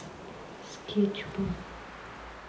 с кетчупом